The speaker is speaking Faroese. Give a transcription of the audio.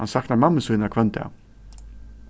hann saknar mammu sína hvønn dag